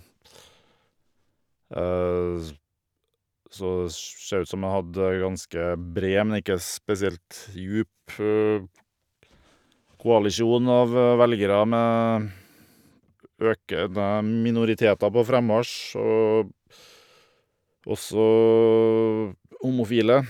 Så det sj ser ut som jeg hadde ganske bred, men ikke spesielt djup koalisjon av velgere med økende minoriteter på frammarsj og også homofile.